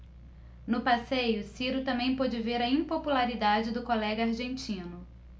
no passeio ciro também pôde ver a impopularidade do colega argentino